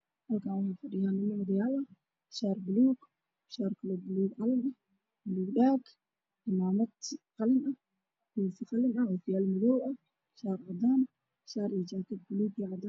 Halkaan waxaa fadhiyo niman odayaal ah oo wato shaar buluug ah, shaar buluug xegeen ah, mid qalin ah, madow, cimaamad qalin, ookiyaalo madow, shaar iyo jaakad qalin ah.